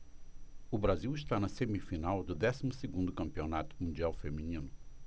o brasil está na semifinal do décimo segundo campeonato mundial feminino